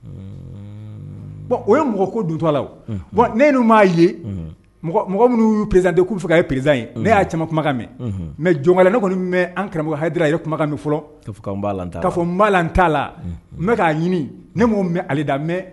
O ye mɔgɔ ko la'a ye mɔgɔ minnuu perez k' fɛ perez ye nea kumakan mɛn mɛ jɔnka la ne kɔni an karamɔgɔ a ye kumakan min fɔlɔ fɔ n b' t' la k'a ɲini aleda